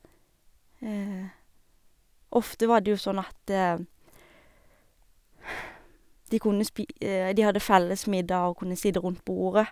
Ofte var det jo sånn at de kunne spi de hadde felles middag og kunne sitte rundt bordet.